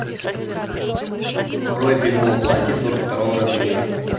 крой прямого платья сорок второго размера